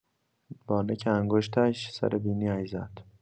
با نوک انگشتش سر بینی‌اش زد.